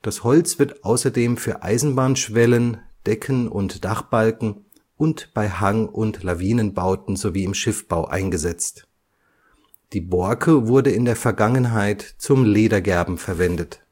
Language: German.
Das Holz wird außerdem für Eisenbahnschwellen, Decken - und Dachbalken und bei Hang - und Lawinenbauten sowie im Schiffbau eingesetzt. Die Borke wurde in der Vergangenheit zum Ledergerben verwendet